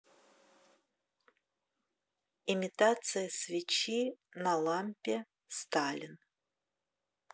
имитация свечи на лампе сталин